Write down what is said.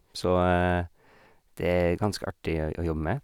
Så det er ganske artig å å jobbe med.